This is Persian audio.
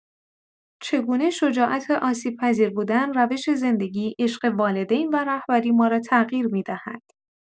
چگونه شجاعت آسیب‌پذیربودن روش زندگی، عشق، والدین و رهبری ما را تغییر می‌دهد.